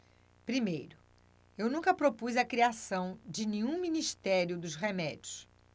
primeiro eu nunca propus a criação de nenhum ministério dos remédios